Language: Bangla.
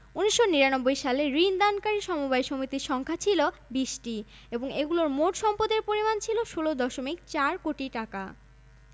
শিল্পঃ পাট চা টেক্সটাইল তৈরি পোশাক কাগজ সার চামড়া ও চামড়াজাত পণ্য সিমেন্ট চিনি মাছ প্রক্রিয়াজাতকরণ ঔষধ ও রাসায়নিক দ্রব্য ইত্যাদি